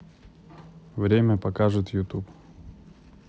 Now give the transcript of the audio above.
время покажет ютуб